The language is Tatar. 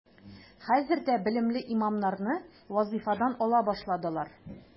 Хәзер дә белемле имамнарны вазифадан ала башладылар.